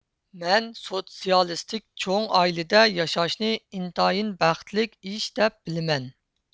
مەن سوتسىيالىستىك چوڭ ئائىلىدە ياشاشنى ئىنتايىن بەختلىك ئىش دەپ بىلىمەن